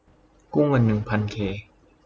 กู้เงินหนึ่งพันเค